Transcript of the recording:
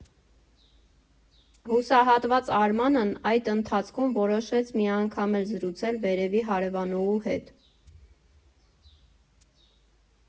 Հուսահատված Արմանն այդ ընթացքում որոշեց մի անգամ էլ զրուցել վերևի հարևանուհու հետ։